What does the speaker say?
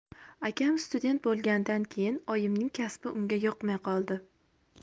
akam student bo'lganidan keyin oyimning kasbi unga yoqmay qoldi